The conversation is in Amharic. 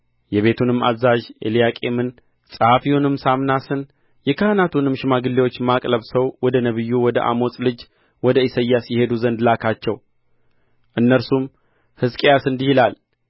የቤቱንም አዛዥ ኤልያቄምን ጸሐፊውንም ሳምናስን የካህናቱንም ሽማግሌዎች ማቅ ለብሰው ወደ ነቢዩ ወደ አሞጽ ልጅ ወደ ኢሳይያስ ይሄዱ ዘንድ ላካቸው እነርሱም ሕዝቅያስ እንዲህ ይላል